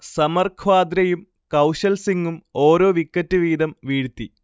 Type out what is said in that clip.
സമർ ഖ്വാദ്രയും കൗശൽ സിങ്ങും ഓരോ വിക്കറ്റ് വീതം വീഴ്ത്തി